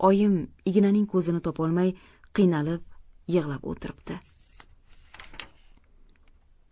oyim ignaning ko'zini topolmay qiynalib yig'lab o'tiribdi